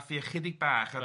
...craffu ychydig bach